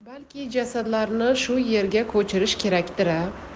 balki jasadlarini shu yerga ko'chirish kerakdir a